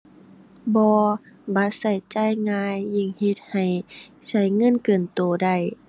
บ่ บัตรใช้จ่ายง่าย ยิ่งเฮ็ดให้ใช้เงินเกินใช้ได้